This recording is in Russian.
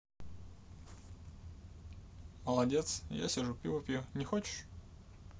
молодец я сижу пиво пью не хочешь